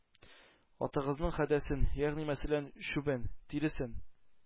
Атыгызның хәдәсен, ягъни мәсәлән, чүбен, тиресен.